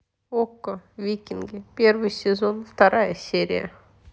окко викинги первый сезон вторая серия